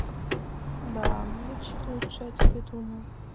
да я чуть лучше о тебе думал